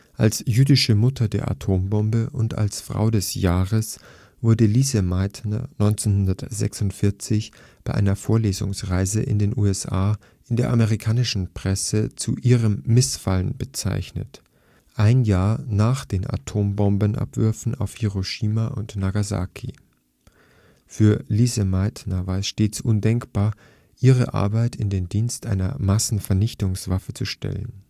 Als „ jüdische Mutter der Atombombe “und „ Frau des Jahres “wurde Lise Meitner 1946 bei einer Vorlesungsreise in den USA in der amerikanischen Presse zu ihrem Missfallen bezeichnet, ein Jahr nach den Atombombenabwürfen auf Hiroshima und Nagasaki. Für Lise Meitner war es stets undenkbar, ihre Arbeit in den Dienst einer Massenvernichtungswaffe zu stellen